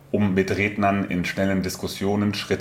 um mit Rednern in schnellen Diskussionen Schritt